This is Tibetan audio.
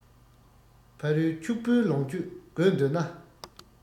ཕ རོལ ཕྱུག པོའི ལོངས སྤྱོད དགོས འདོད ན